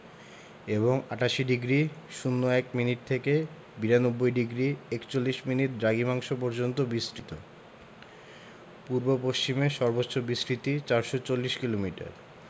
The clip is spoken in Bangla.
এবং ৮৮ ডিগ্রি ০১ মিনিট থেকে ৯২ ডিগ্রি ৪১মিনিট দ্রাঘিমাংশ পর্যন্ত বিস্তৃত পূর্ব পশ্চিমে সর্বোচ্চ বিস্তৃতি ৪৪০ কিলোমিটার